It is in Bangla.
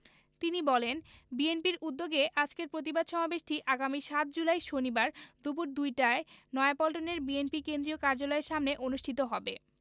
তিনি বলেন বিএনপির উদ্যোগে আজকের প্রতিবাদ সমাবেশটি আগামী ৭ জুলাই শনিবার দুপুর দুইটায় নয়াপল্টনের বিএনপি কেন্দ্রীয় কার্যালয়ের সামনে অনুষ্ঠিত হবে